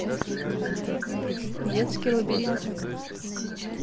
детские лабиринты